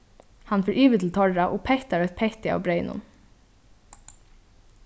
hann fer yvir til teirra og pettar eitt petti av breyðnum